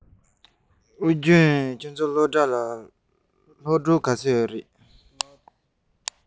ཝུན ཅུན ཁྱོད རང ཚོའི སློབ གྲྭར སློབ ཕྲུག ག ཚོད ཡོད རེད